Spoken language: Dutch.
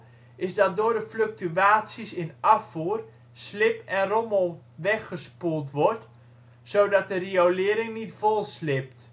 dat door de fluctuaties in afvoer slib en rommel weggespoeld worden, zodat de riolering niet volslibt